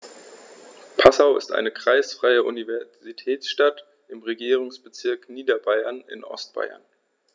Passau ist eine kreisfreie Universitätsstadt im Regierungsbezirk Niederbayern in Ostbayern.